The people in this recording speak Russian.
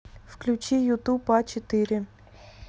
включи ютуб а четыре